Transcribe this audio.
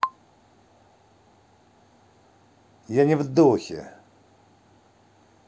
я не в духе